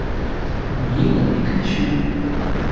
мила пикачу